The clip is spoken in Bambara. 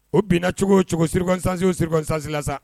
O bina cogo o cogo circonstance o circonstance la sa.